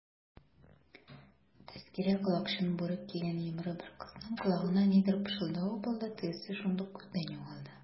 Тәзкирә колакчын бүрек кигән йомры бер кызның колагына нидер пышылдавы булды, тегесе шундук күздән югалды.